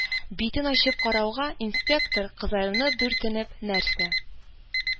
Битен ачып карауга, инспектор, кызарынып-бүртенеп, нәрсә